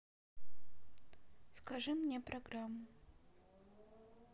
скажи мне программу